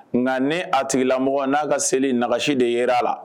Nka ne a tigilamɔgɔ n'a ka seli nasi de jira a la